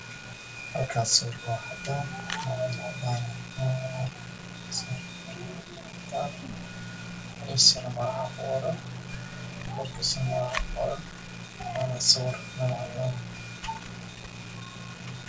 Waa meel qol ah midabkiisa yahay cadaan iyo madow kor waxaa ku dhigaan muraacad